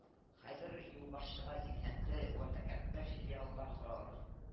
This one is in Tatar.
Хәзер юлбашчыга зиннәтле вә тәкәббер филиаллар коралар